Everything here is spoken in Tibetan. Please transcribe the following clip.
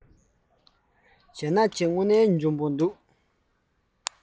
བྱས ན ཁྱེད རང དངོས འབྲེལ འཇོན པོ བྱུང